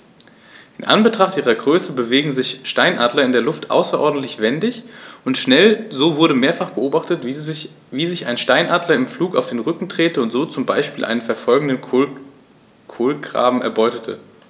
In Anbetracht ihrer Größe bewegen sich Steinadler in der Luft außerordentlich wendig und schnell, so wurde mehrfach beobachtet, wie sich ein Steinadler im Flug auf den Rücken drehte und so zum Beispiel einen verfolgenden Kolkraben erbeutete.